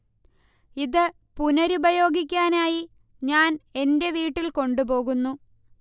ഇത് പുനരുപയോഗിക്കാനായി ഞാൻ എന്റെ വീട്ടിൽ കൊണ്ട് പോകുന്നു